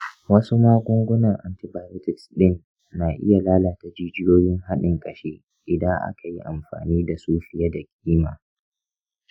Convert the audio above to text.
wasu magungunan antibiotics ɗin na iya lalata jijiyoyin haɗin ƙashi idan aka yi amfani da su fiye da ƙima.